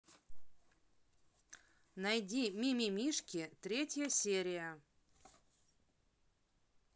найди мимимишки третья серия